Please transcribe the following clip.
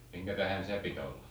minkä tähden se piti olla